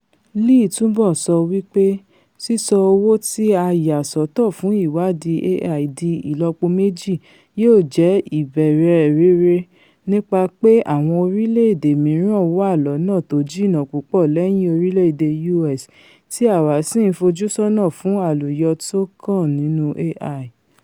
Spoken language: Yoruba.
Lee túnbọ̀ so wípẹ́ ''Sísọ owò tí a yà ṣọ́tọ̀ fún ìwáàdí AI di ìlọ́pòméjì yóò jẹ́ ìbẹ̀rẹ̀ rere, nípa pé àwọn orílẹ̀-èdè mìíràn wà lọ́nà tó jìnnà púpọ̀ lẹ́yìn orílẹ̀-èdè U.S., tí àwá sì ń fojú sọ́nà fún àlùyọ tókan nínú AI.